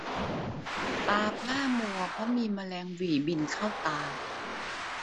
ตาพร่ามัวเพราะมีแมลงหวี่บินเข้าตา